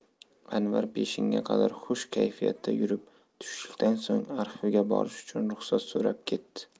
anvar peshinga qadar xush kayfiyatda yurib tushlikdan so'ng arxivga borish uchun ruxsat so'rab ketdi